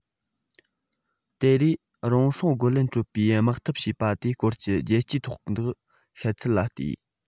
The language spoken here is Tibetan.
ད རེས རང སྲུང རྒོལ ལན སྤྲོད པའི དམག འཐབ བྱས པ དེའི སྐོར གྱི རྒྱལ སྤྱིའི ཐོག གི བཤད ཚུལ ལ བལྟས